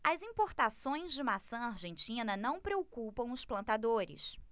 as importações de maçã argentina não preocupam os plantadores